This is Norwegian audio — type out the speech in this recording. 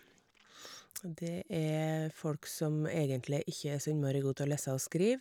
Og det er folk som egentlig ikke er så innmari god til å lese og skrive.